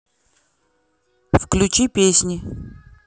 включить песни